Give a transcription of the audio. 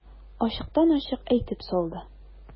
Ачыктан-ачык әйтеп салды.